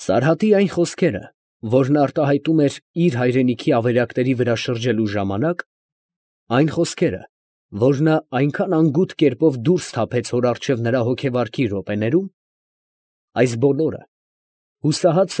Սարհատի այն խոսքերը, որ նա արտահայտում էր իր հայրենիքի ավերակների վրա շրջելու ժամանակ, այն խոսքերը, որ նա այնքան անգութ կերպով դուրս թափեց հոր առջև նրա հոգեվարքի րոպեներում, ֊ այս բոլորը հուսահատ։